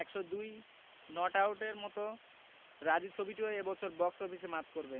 ১০২ not আউটের মতো রাজী ছবিটিও এ বছর বক্স অফিস মাত করবে